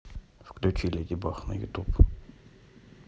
включи леди баг на ютуб